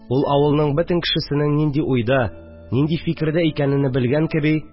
Ул, авылның бөтен кешесенең нинди уйда, нинди фикердә икәнене белгән кеби